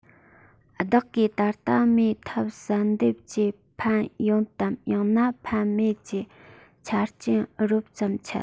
བདག གིས ད ལྟ མིའི ཐབས བསལ འདེམས ཀྱི ཕན ཡོད དམ ཡང ན ཕན མེད ཀྱི ཆ རྐྱེན རོབ ཙམ འཆད